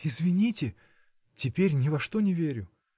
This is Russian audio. – Извините: теперь ни во что не верю.